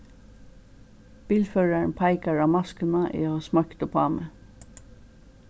bilførarin peikar á maskuna eg havi smoygt uppá meg